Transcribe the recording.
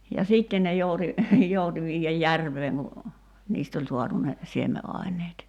ja sitten ne jouti jouti viedä järveen kun niistä oli saatu ne siemenaineet